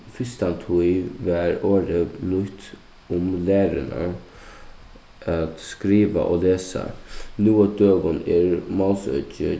fyrstantíð varð orðið nýtt um læruna at skriva og lesa nú á døgum er málsøkið